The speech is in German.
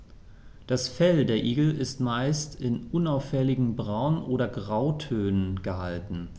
Das Fell der Igel ist meist in unauffälligen Braun- oder Grautönen gehalten.